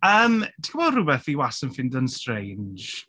Yym ti'n gwybod rhywbeth fi wastad yn ffeindio'n strange?